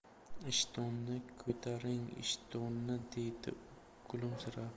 ishtonni ko'taring ishtonni deydi u kulimsirab